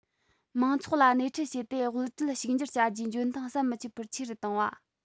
མང ཚོགས ལ སྣེ ཁྲིད བྱས ཏེ དབུལ བྲལ ཕྱུག འགྱུར བྱ རྒྱུའི འཇོན ཐང ཟམ མི འཆད པར ཆེ རུ བཏང བ